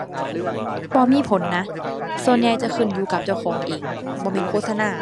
บ่มีผลนะ ส่วนใหญ่จะขึ้นอยู่กับเจ้าของเอง บ่แม่นโฆษณา